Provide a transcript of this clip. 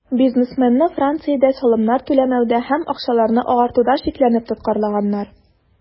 Бизнесменны Франциядә салымнар түләмәүдә һәм акчаларны "агартуда" шикләнеп тоткарлаганнар.